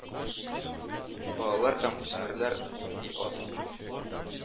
Балалар һәм үсмерләр и ат